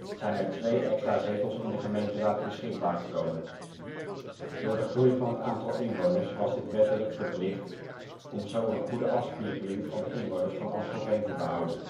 zijn er twee extra zetels in de gemeenteraad beschikbaar gekomen. Door de groei van het aantal inwoners was dit wettelijk verplicht, om zo een goede afspiegeling van de inwoners van Amstelveen te behouden